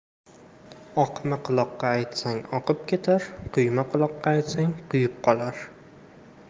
oqma quloqqa aytsang oqib ketar quyma quloqqa aytsang quyib olar